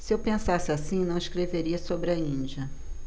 se eu pensasse assim não escreveria sobre a índia